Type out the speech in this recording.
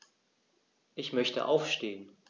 Ich möchte aufstehen.